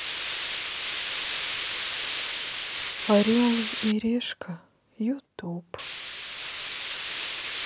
орел и решка ютуб